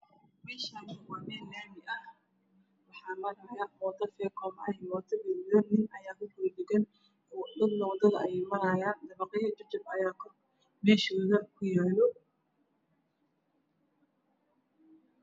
Meshani waa meel lami ah waxa yaalo moota feekoon iyo mooto lapa lugaley ah ah nin ayaa ku dawa dhagn dad ayaa maraayo dabaqyo jajap ayaa meshooda ku yaalo